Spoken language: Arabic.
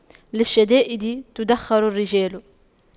للشدائد تُدَّخَرُ الرجال